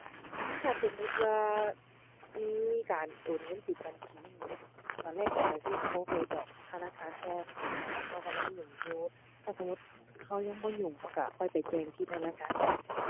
ถ้าสมมุติว่ามีการโอนเงินผิดบัญชีนี่ ตอนแรกข้อยก็สิโทรไปบอกธนาคารก่อน ถ้าตอนนั้นก็กำลังยุ่งอยู่ ถ้าสมมุติก็ยังบ่ยุ่งก็ก็ค่อยไปแจ้งที่ธนาคารเอา